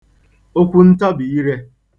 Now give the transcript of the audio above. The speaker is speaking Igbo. okwuntàbirē